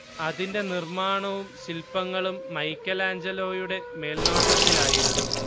അതിന്റെ നിർമ്മാണവും ശില്പങ്ങളും മൈക്കെലാഞ്ചലോയുടെ മേൽനോട്ടത്തിലായിരുന്നു